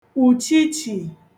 ùchichì